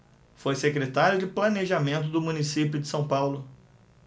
foi secretário de planejamento do município de são paulo